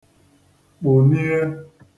kpụ̀nie